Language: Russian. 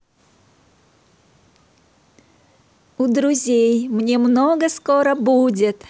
у друзей мне много скоро будет